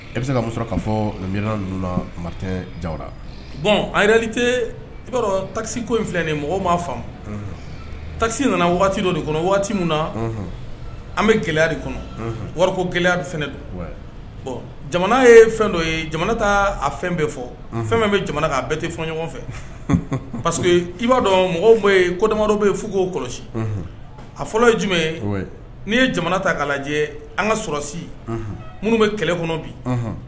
E bɛ se ka muso' fɔ ja bɔn b'a takisi ko in filɛ nin mɔgɔ ma takisi nana waati dɔ de kɔnɔ waati min na an bɛ gɛlɛya de kɔnɔ wari ko gɛlɛya fɛn don jamana ye fɛn dɔ ye jamana ta a fɛn bɛ fɔ fɛn min bɛ jamana k'a bɛɛ tɛ fɔ ɲɔgɔn fɛ parceseke i b'a dɔn mɔgɔ kodadɔ bɛ ye f oo kɔlɔsi a fɔlɔ ye jumɛn ye n'i ye jamana ta' lajɛjɛ an ka sɔrɔsi minnu bɛ kɛlɛ kɔnɔ bi